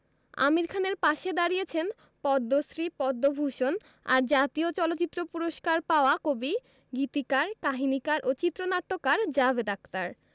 আমির খানের পাশে দাঁড়িয়েছেন পদ্মশ্রী পদ্মভূষণ আর জাতীয় চলচ্চিত্র পুরস্কার পাওয়া কবি গীতিকার কাহিনিকার ও চিত্রনাট্যকার জাভেদ আখতার